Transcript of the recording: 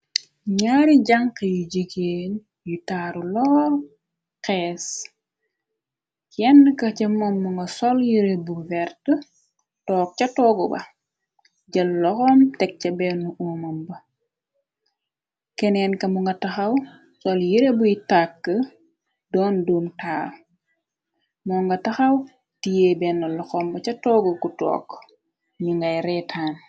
ñyaari jànk yu jigeen yu taaru loor xees kenne ka sa moom mu nga sol yire bu wert toog ca toogu ba jël loxoom teg ca benn umom ba keneen ka mu nga taxaw sol yire buy tàkk doon duum taar moo nga taxaw tiyée benn loxomb ca toogu ku took ñu ngay reetaan.